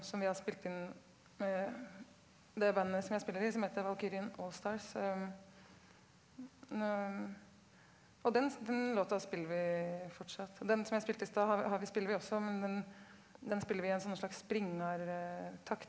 som vi har spilt inn det bandet som jeg spiller i som heter Valkyrien Allstars og den den låta spiller vi fortsatt, og den som jeg spilte i stad har vi har vi spiller vi også, men den den spiller vi i en sånn slags springartakt.